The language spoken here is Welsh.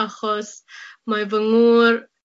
achos mae fy ngŵr